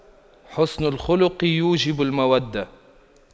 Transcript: حُسْنُ الخلق يوجب المودة